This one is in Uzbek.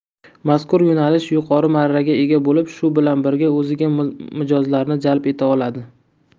mazkur yo'nalish yuqori marraga ega bo'lib shu bilan birga o'ziga mijozlarni jalb eta oladi